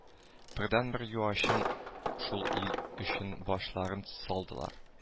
Бердәнбер юачым шул ил өчен башларын салдылар